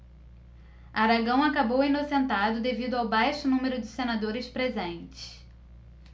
aragão acabou inocentado devido ao baixo número de senadores presentes